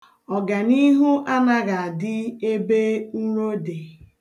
Ọganihu anaghị adị ebe iro dị.